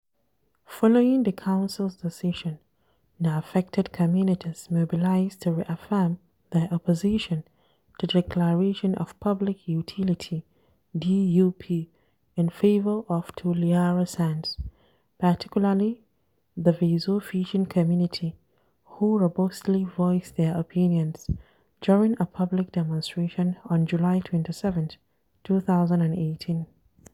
Following [the Council's] decision, the affected communities mobilized to reaffirm their opposition to the Declarations of Public Utility (DUP) in favor of Toliara Sands, particularly the Vezo fishing community, who robustly voiced their opinions … during a public demonstration on July 27, 2018.